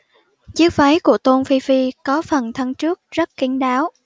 chiếc váy của tôn phi phi có phần thân trước rất kín đáo